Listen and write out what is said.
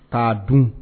K' dun